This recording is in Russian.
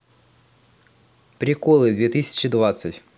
приколы две тысячи двадцать